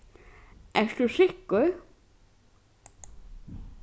ert tú sikkur